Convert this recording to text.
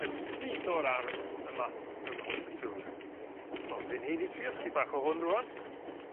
yn syth o'r ardd yma ym Mhont y Tŵr. Dwi meddwl bo' fi'n haeddu trio chydig bach o hwn rŵan!